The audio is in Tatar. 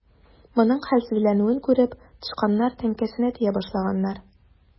Моның хәлсезләнүен күреп, тычканнар теңкәсенә тия башлаганнар.